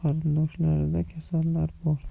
qarindoshlarida kasallar bor